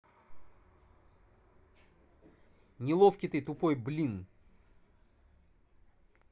неловкий ты тупой блин